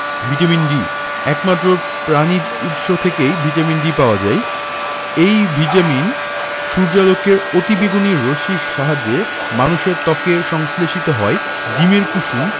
vitamin D একমাত্র প্রাণিজ উৎস থেকেই ভিটামিন D পাওয়া যায় এই ভিটামিন সূর্যালোকের অতিবেগুনি রশ্মির সাহায্যে মানুষের ত্বকে সংশ্লেষিত হয় ডিমের কুসুম